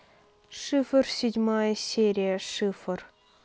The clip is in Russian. шифр седьмая серия шифр